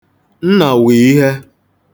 Nnawụihe